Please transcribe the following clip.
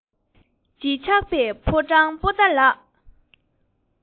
བརྗིད ཆགས པའི ཕོ བྲང པོ ཏ ལགས